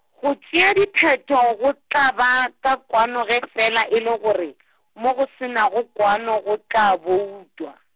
go tšea diphetho go tla ba ka kwano ge fela e le gore , moo go se nago kwano go tla boutwa.